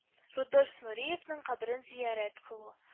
Рудольф Нуриевның каберен зиярәт кылу